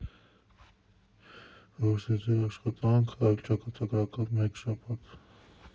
Ոչ թե ձրի աշխատանք, այլ ճակատագրական մեկ շաբաթ.